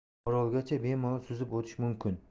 orolgacha bemalol suzib o'tish mumkin